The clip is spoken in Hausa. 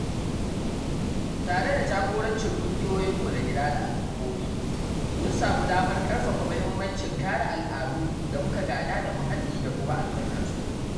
Tare da jagorancin ƙungiyoyinmu na gida da al’ummomi, mun samu damar ƙarfafa mahimmancin kare al’adu da muka gada da muhalli da kuma albarkatu.